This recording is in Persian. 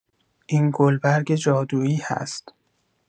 این گلبرگ جادویی هست.